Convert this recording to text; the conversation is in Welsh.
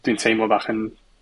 dwi'n teimlo bach yn...